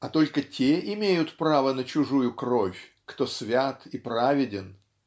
а только т е имеют право на чужую кровь кто свят и праведен.